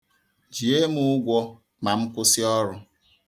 Jie m ụgwọ ma m kwụsị ọrụ.